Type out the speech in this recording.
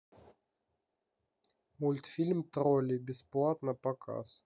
мультфильм тролли бесплатно показ